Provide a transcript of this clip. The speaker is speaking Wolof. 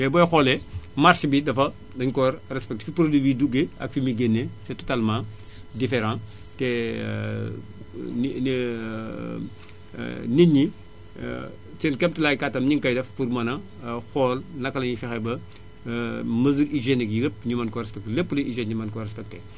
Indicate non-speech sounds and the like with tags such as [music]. mais boo xoolee marche bi dafa dañu koo respecté fi produit bi duggee ak fi muy génnee c' est totalement [noise] différent te [hesitation] nit ñi [hesitation] seen kéem tolluwaay kàttan ñi ngi koy def pour mën a xool naka la ñuy fexee ba [hesitation] mesure hygiènique yépp ñu mën ko respecté lépp luy hygène ñu mën ko respecté